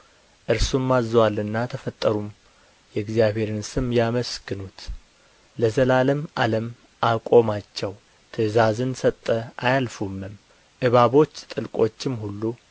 እርሱም አዝዞአልና ተፈጠሩም የእግዚአብሔርን ስም ያመስግኑት ለዘላለም ዓለም አቆማቸው ትእዛዝን ሰጠ አያልፉምም እባቦች ጥልቆችም ሁሉ